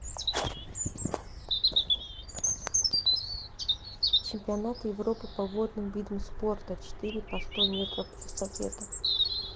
чемпионат европы по водным видам спорта четыре по сто метров эстафета